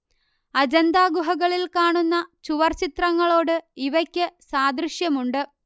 അജന്താ ഗുഹകളിൽ കാണുന്ന ചുവർ ചിത്രങ്ങളോട് ഇവയ്ക്ക് സാദൃശ്യമുണ്ട്